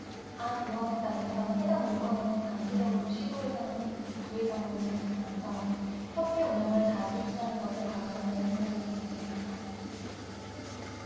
안 의원에 따르면 해당 문건에는 장기적으로 시도회장 및 부회장으로 재직하면서 협회 운영을 좌지우지하는 것을 바로잡아야 한다고 기재돼 있다